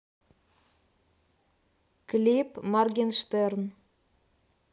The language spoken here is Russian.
клип morgenshtern